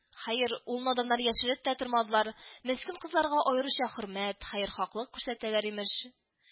Хәер, ул наданнар яшереп тә тормадылар, мескен кызларга аеруча хөрмәт, хәерхаһлык күрсәтәләр имеш…